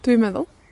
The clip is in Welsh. Dwi'n meddwl.